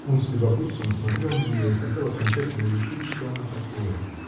Он с любопытством смотрел на нее и хотел окончательно решить, что она такое.